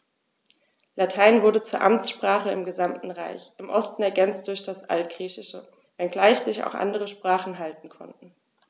Latein wurde zur Amtssprache im gesamten Reich (im Osten ergänzt durch das Altgriechische), wenngleich sich auch andere Sprachen halten konnten.